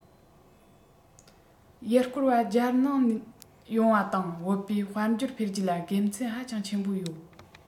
ཡུལ སྐོར བ རྒྱལ ནང ཡོང བ དང བུད པས དཔལ འབྱོར འཕེལ རྒྱས ལ དགེ མཚན ཧ ཅང ཆེན པོ ཡོད